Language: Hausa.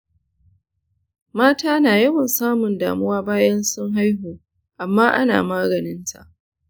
mata na yawan samun damuwa bayan sun haihu amma ana maganin ta.